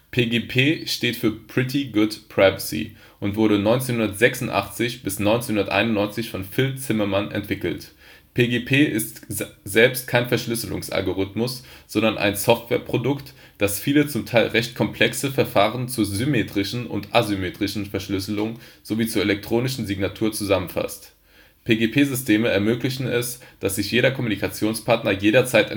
PGP steht für Pretty good Privacy und wurde von 1986 bis 1991 von Phil Zimmermann entwickelt. PGP ist selbst kein Verschlüsselungsalgorithmus, sondern ein Softwareprodukt, das viele, zum Teil recht komplexe, Verfahren zur symmetrischen und asymmetrischen Verschlüsselung sowie zur elektronischen Signatur zusammenfasst. PGP-Systeme ermöglichen es, dass sich jeder Kommunikationspartner jederzeit